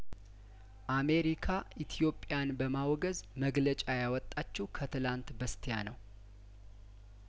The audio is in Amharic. አሜሪካ ኢትዮጵያን በማውገዝ መግለጫ ያወጣችው ከትላንት በስቲያነው